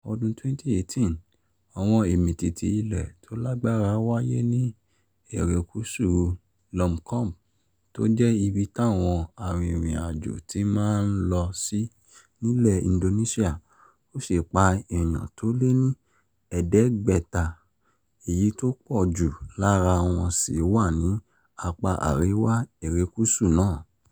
Ọdún 2018: Àwọn ìmìtìtì ilẹ̀ tó lágbára wáyé ní erékùṣù Lombok tó jẹ́ ibi táwọn arìnrìn-àjò ti máa ń lọ sí nílẹ̀ Indonesia, ó sì pa èèyàn tó lé ní ẹ̀ẹ́dẹ́gbẹ̀ta [500], èyí tó pọ̀ jù lára wọn sì wà ní apá àríwá erékùṣù náà.